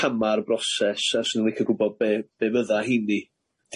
cama'r broses a 'swn i'n licio gwbod be' be' fydda heini.